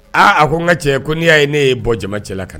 Aa a ko n ka cɛ ko n' y'a ye ne ye bɔ jama cɛla la ka na